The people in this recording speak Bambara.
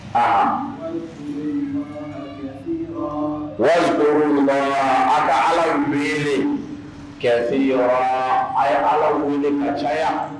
a ka Ala wele a ye Ala wele ka caya.